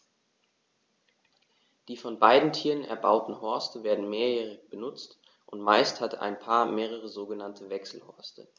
Die von beiden Tieren erbauten Horste werden mehrjährig benutzt, und meist hat ein Paar mehrere sogenannte Wechselhorste.